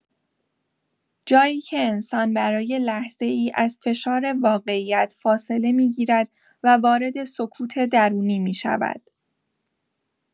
جایی که انسان برای لحظه‌ای از فشار واقعیت فاصله می‌گیرد و وارد سکوت درونی می‌شود.